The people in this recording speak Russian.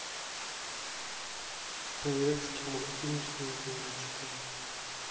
советский мультфильм снегурочка